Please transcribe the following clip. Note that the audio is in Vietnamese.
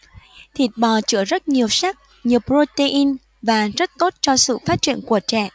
thịt bò chứa rất nhiều sắt nhiều protein và rất tốt cho sự phát triển của trẻ